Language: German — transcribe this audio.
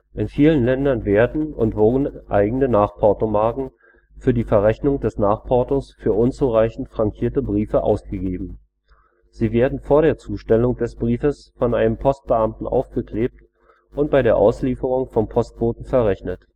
In vielen Ländern werden und wurden eigene Nachportomarken für die Verrechnung des Nachportos für unzureichend frankierte Briefe ausgegeben. Sie werden vor der Zustellung des Briefes von einem Postbeamten aufgeklebt und bei der Auslieferung vom Postboten verrechnet